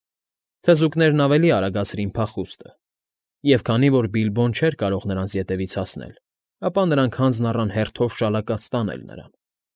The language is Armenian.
Թզուկներն ավելի արագացրին փախուստը, և քանի որ Բիլբոն չէր կարող նրանց ետևից հասնել, ապա նրանք հանձն առան հերթով շալակած տանել նրան։